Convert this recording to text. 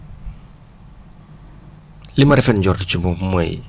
li ma rafet njort ci moom mooy